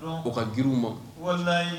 O ka g ma